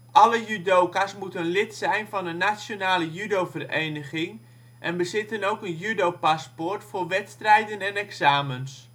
Alle judoka 's moeten lid zijn van een nationale judovereniging en bezitten ook een judopaspoort voor wedstrijden en examens